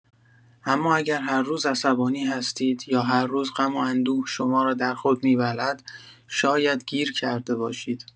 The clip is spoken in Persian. اما اگر هر روز عصبانی هستید یا هر روز غم و اندوه شما را در خود می‌بلعد، شاید گیر کرده باشید.